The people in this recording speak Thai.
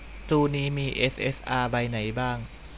ตู้นี้มีเอสเอสอาใบไหนบ้าง